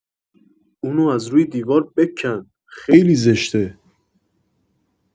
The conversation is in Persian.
اونو از روی دیوار بکن خیلی زشته